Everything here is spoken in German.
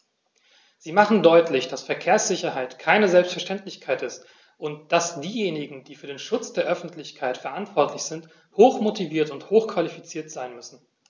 Sie machen deutlich, dass Verkehrssicherheit keine Selbstverständlichkeit ist und dass diejenigen, die für den Schutz der Öffentlichkeit verantwortlich sind, hochmotiviert und hochqualifiziert sein müssen.